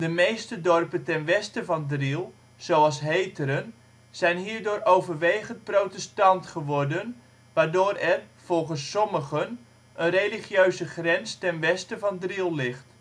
meeste dorpen ten westen van Driel, zoals Heteren zijn hierdoor overwegend protestant geworden, waardoor er, volgens sommigen [bron?], een religieuze grens ten westen van Driel ligt